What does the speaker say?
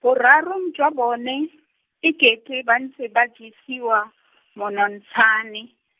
borarong jwa bone, e kete ba ntse ba jesiwa, monontshane.